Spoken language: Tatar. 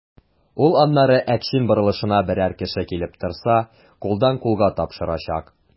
Ул аларны Әкчин борылышына берәр кеше килеп торса, кулдан-кулга тапшырачак.